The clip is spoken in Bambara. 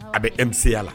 A bɛ emiya la